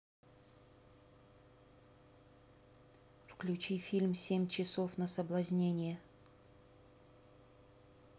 включи фильм семь часов на соблазнение